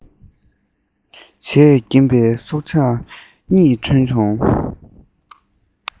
བྱེད ཀྱིན པའི སྲོག ཆགས གཉིས ཐོན བྱུང